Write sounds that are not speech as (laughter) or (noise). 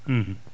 (hesitation) (hesitation)